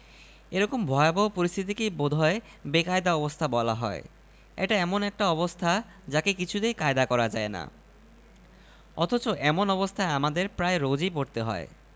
কিছুক্ষণের মধ্যেই টিকটিকির মত এর ল্যাজ ধসে পড়ল দড়ির শিকা বাঁকা হয়ে দাঁড়ানো কলসি কাঁখে বিশালা বক্ষ বঙ্গ ললনা কিনলাম